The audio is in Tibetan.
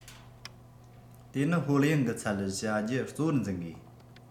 དེ ནི ཧོལ ཡང གི ཚལ བྱ རྒྱུ གཙོ བོར འཛིན དགོས